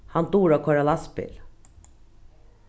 hann dugir at koyra lastbil